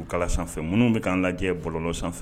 U kala sanfɛ minnu bɛ ka' lajɛjɛ bololɔ sanfɛ